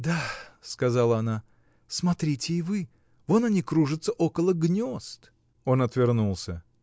— Да, — сказала она, — смотрите и вы: вон они кружатся около гнезд. Он отвернулся.